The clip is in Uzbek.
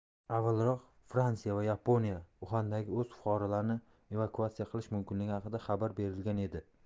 avvalroq fransiya va yaponiya uxandagi o'z fuqarolarini evakuatsiya qilishi mumkinligi haqida xabar berilgan edi